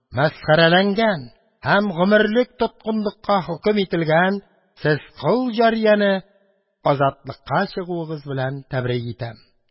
Мәсхәрәләнгән һәм гомерлек тоткынлыкка хөкем ителгән сез кол-җарияне азатлыкка чыгуыгыз белән тәбрик итәм.